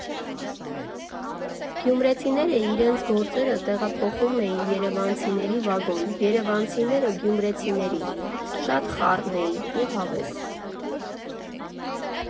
Գյումրեցիները իրենց գործերը տեղափոխում էին երևանցիների վագոն, երևանցիները գյումրեցիների։ Շա՜տ խառն էի ու հավես։